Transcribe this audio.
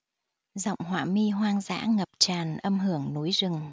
giọng họa mi hoang dã ngập tràn âm hưởng núi rừng